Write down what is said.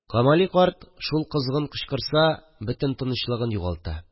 Камали карт шул козгын кычкырса бөтен тынычлыгын югалта